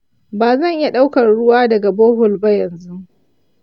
ba zan iya ɗaukar ruwa daga bohole ba yanzu.